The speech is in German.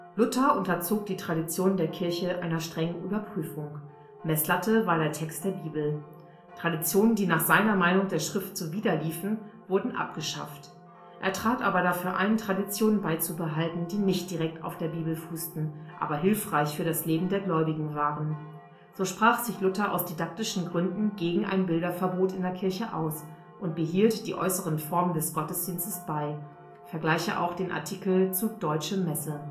Luther unterzog die Traditionen der Kirche einer strengen Überprüfung. Messlatte war der Text der Bibel. Traditionen, die nach seiner Meinung der Schrift zuwiderliefen, wurden abgeschafft. Er trat aber dafür ein, Traditionen beizubehalten, die nicht direkt auf der Bibel fußten, aber hilfreich für das Leben der Gläubigen waren. So sprach sich Luther aus didaktischen Gründen gegen ein Bilderverbot in der Kirche aus und behielt die äußeren Formen des Gottesdienstes bei (vgl. Deutsche Messe